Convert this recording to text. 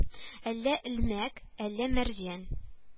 Әллә элмәк, әллә мәрҗән